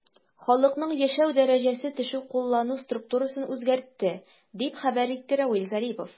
Халыкның яшәү дәрәҗәсе төшү куллану структурасын үзгәртте, дип хәбәр итте Равиль Зарипов.